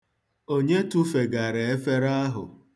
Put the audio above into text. Onye tụfegara efere ahụ?